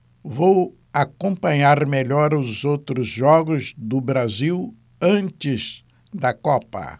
vou acompanhar melhor os outros jogos do brasil antes da copa